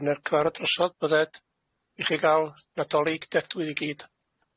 Dwi'n ercyfar y drysodd bydded i chi ga'l Nadolig dedwydd i gyd.